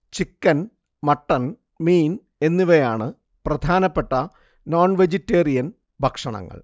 chicken mutton മീൻ എന്നിവയാണ് പ്രധാനപ്പെട്ട നോൺവെജിറ്റേറിയൻ ഭക്ഷണങ്ങൾ